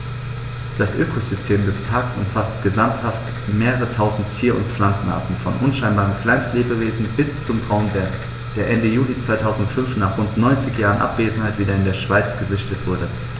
Das Ökosystem des Parks umfasst gesamthaft mehrere tausend Tier- und Pflanzenarten, von unscheinbaren Kleinstlebewesen bis zum Braunbär, der Ende Juli 2005, nach rund 90 Jahren Abwesenheit, wieder in der Schweiz gesichtet wurde.